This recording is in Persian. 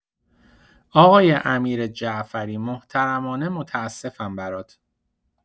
آقای امیرجعفری محترمانه متاسفم برات